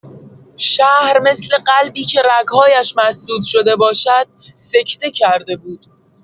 شهر مثل قلبی که رگ‌هایش مسدود شده باشد، سکته کرده بود.